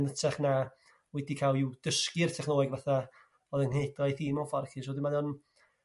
yn 'ytrach na wedi ca'l i'w dysgu i'r technoleg fath a o'dd yng nghedlaeth î mewn ffordd 'lly so 'di mae o'n